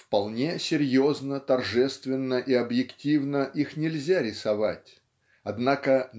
Вполне серьезно, торжественно и объективно их нельзя рисовать. Однако